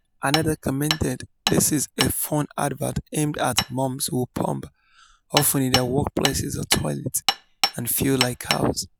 Another commented: "This is a fun advert aimed at mums who pump (often in their workplaces or toilets) and feel like "cows."